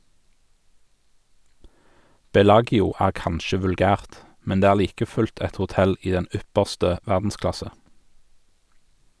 Bellagio er kanskje vulgært, men det er like fullt et hotell i den ypperste verdensklasse.